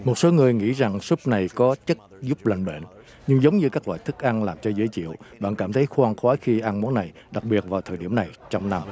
một số người nghĩ rằng súp này có chất giúp lành bệnh nhưng giống như các loại thức ăn làm cho dễ chịu bạn cảm thấy khoan khoái khi ăn món này đặc biệt vào thời điểm này trong năm